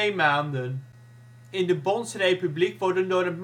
maanden. In de Bondsrepubliek worden door